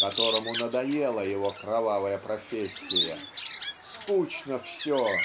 которому надоела его кровавая профессия скучно все